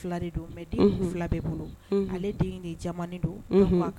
2 de don mais den b'u 2 bɛɛ bolo, unhun, ale den in de jamanen don, unhun